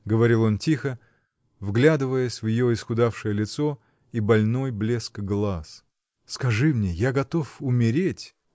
— говорил он тихо, вглядываясь в ее исхудавшее лицо и больной блеск глаз. — Скажи мне: я готов умереть.